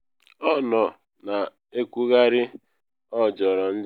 Ọ nọ na ekwugharị “ọ jọrọ njọ’.